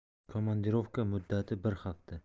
komandirovka muddati bir hafta